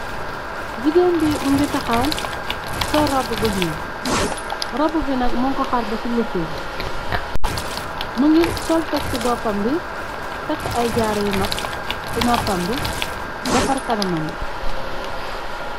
Gigain bii mungy takhaw, sol rohbu bu njull, rohba bii nak munkor hahrr beh cii lupu yii, mungy sol tek cii bopam bii, takue aiiy jaaru yu mak cii nopam bii, defarr kanamam bii.